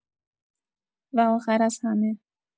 و آخر از همه